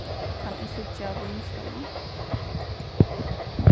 kann eg síggja vínskránna